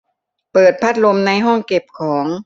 เปิดพัดลมในห้องเก็บของ